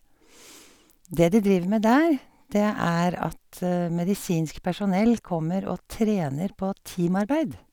Det de driver med der, det er at medisinsk personell kommer og trener på teamarbeid.